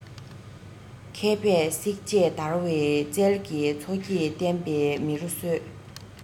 མཁས པས བསྲེགས བཅད བརྡར བའི རྩལ གྱིས མཚོ སྐྱེས བསྟན པའི མེ རོ གསོས